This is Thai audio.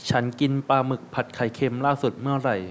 ฉันกินปลาหมึกผัดไข่เค็มล่าสุดเมื่อไหร่